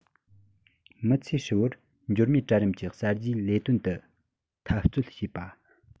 མི ཚེ ཧྲིལ པོར འབྱོར མེད གྲལ རིམ གྱི གསར བརྗེའི ལས དོན དུ འཐབ རྩོལ བྱེད པ